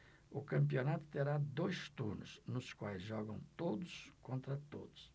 o campeonato terá dois turnos nos quais jogam todos contra todos